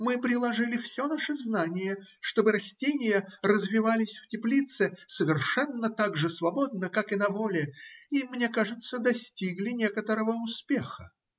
Мы приложили все наше знание, чтобы растения развивались в теплице совершенно так же свободно, как и на воле, и, мне кажется, достигли некоторого успеха.